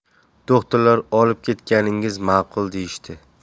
do'xtirlar olib ketganingiz ma'qul deyishdi